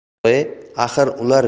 yo'g' e axir